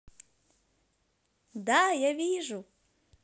да я вижу